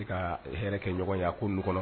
Ka hɛrɛ kɛ ɲɔgɔn ye ko n kɔnɔ